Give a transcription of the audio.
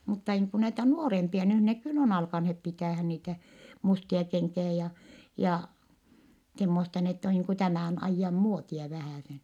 mutta niin kuin näitä nuorempia nyt ne kyllä on alkaneet pitämään niitä mustia kenkiä ja ja semmoista niin että on niin kuin tämän ajan muotia vähäsen